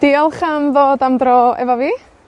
Diolch am ddod am dro efo fi.